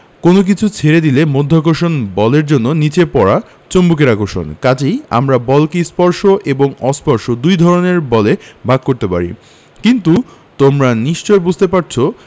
কোনো কিছু ছেড়ে দিলে মাধ্যাকর্ষণ বলের জন্য নিচে পড়া চুম্বকের আকর্ষণ কাজেই আমরা বলকে স্পর্শ এবং অস্পর্শ দুই ধরনের বলে ভাগ করতে পারি কিন্তু তোমরা নিশ্চয়ই বুঝতে পারছ